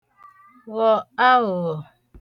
-ghọ̀ aghụ̀ghọ̀